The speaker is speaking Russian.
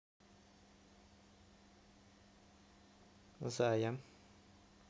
зая